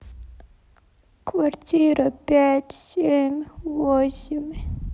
квартира пять семь восемь